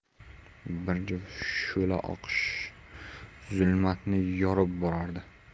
bir juft shu'la oqish zulmatni yorib borardi